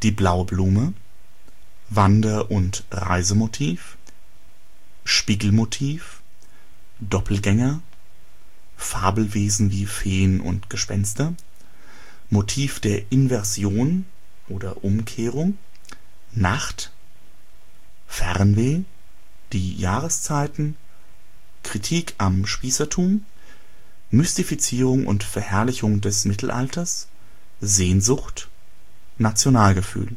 Blaue Blume Wander - und Reisemotiv Spiegelmotiv Doppelgänger Fabelwesen wie Feen und Gespenster Motiv der Inversion/Umkehrung Nacht Fernweh Die Jahreszeiten Kritik am Spießertum Mystifizierung und Verherrlichung des Mittelalters Sehnsucht Nationalgefühl